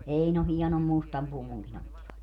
Einon hienon mustan puvunkin ottivat